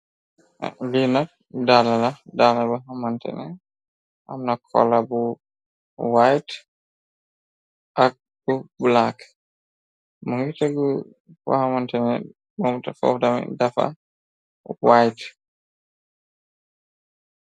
Li nak, dallë la, dallë boo xamante ne amna kola bu "white" ak bu "black",mu ngi teggu foo xamante ne mom tami dafa "white".